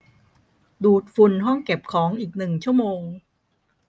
ดูดฝุ่นห้องเก็บของอีกหนึ่งชั่วโมง